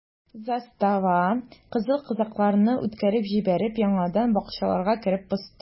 Застава, кызыл казакларны үткәреп җибәреп, яңадан бакчаларга кереп посты.